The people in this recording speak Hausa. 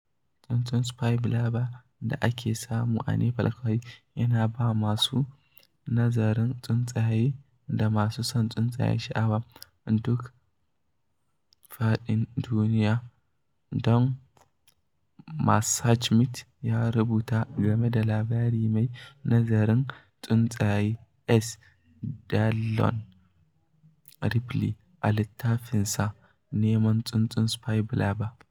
Tsuntsun Spiny Babbler da ake samu a Nepal kawai, yana ba wa masu nazarin tsuntsaye da masu son tsuntsaye sha'awa a duk faɗin duniya. Don Messerschmidt ya rubuta game da labarin mai nazarin tsuntsaye S. Dillon Ripley a littafinsa Neman Tsuntsun Spiny Babbler.